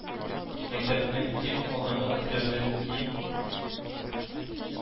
Мәктәпнең иң алдынгы отряды И